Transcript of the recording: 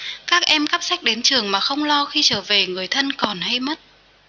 các em cắp sách đến trường mà không lo khi trở về người thân còn hay mất